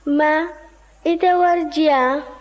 ma i tɛ wari di yan